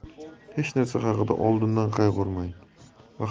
hech narsa haqida oldindan qayg'urmang va